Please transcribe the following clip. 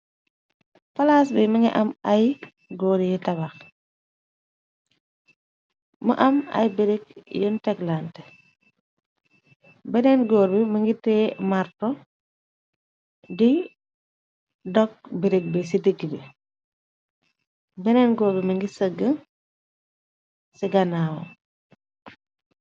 Palaas bi ma nga am ay góor yi tabax, mu am ay birig yoon taglant, beneen góor bi ma ngitee marto, di dog birig bi ci digg bi, beneen góor bi ma ngi sëgg ci ganaawa.